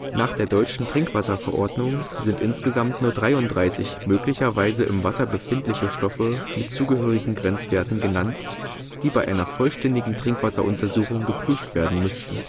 Nach der deutschen TrinkwV sind insgesamt nur 33 möglicherweise im Wasser befindliche Stoffe mit zugehörigen Grenzwerten genannt, die bei einer vollständigen Trinkwasseruntersuchung geprüft werden müssten